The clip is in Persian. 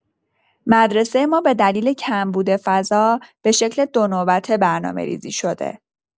مدرسۀ ما به دلیل کمبود فضا، به شکل دونوبته برنامه‌ریزی شده.